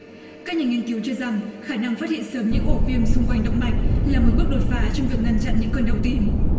các nhà nghiên cứu cho rằng khả năng phát hiện sớm những ổ viêm xung quanh động mạch là một bước đột phá trong việc ngăn chặn những cơn đau tim